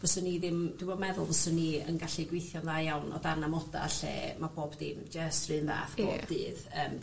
fyswn i ddim dwi ddim yn meddwl fyswn i yn gallu gweithio'n dda iawn o dan amoda lle ma' bob dim jyst 'r un fath... Ia. ...bob dydd yym